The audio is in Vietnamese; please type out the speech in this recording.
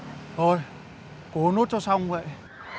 thôi cố nốt cho xong vậy